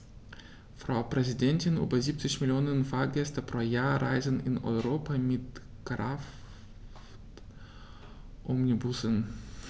Frau Präsidentin, über 70 Millionen Fahrgäste pro Jahr reisen in Europa mit Kraftomnibussen.